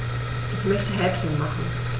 Ich möchte Häppchen machen.